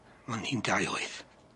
Ma'n ni'n dau wyth.